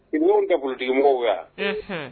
I ɲɔ datigimɔgɔw wa